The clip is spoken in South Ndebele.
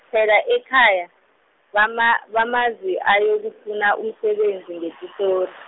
phela ekhaya, bama- bamazi ayokufuna umsebenzi ngePitori.